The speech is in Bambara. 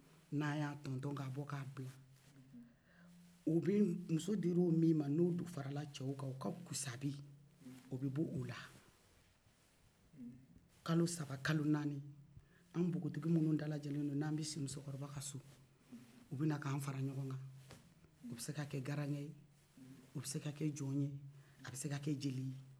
n'a y'a tɔntɔn k'a bɔ k'a bila u bɛ muso dir'o min ma n'o farala cɛw kan o ka kusabi o bɛ bɔ o la kalo saba kalo naani an npogotigi minnu dalajɛlen do n'an bɛ si musokɔrɔba ka so u bɛ na k'an fara ɲɔgɔn kan o bɛ se ka kɛ garanke ye a bɛ se ka kɛ jɔn ye a bɛ se ka kɛ jeli ye